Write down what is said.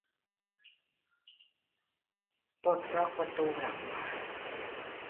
ปลดล็อคประตูหลังบ้าน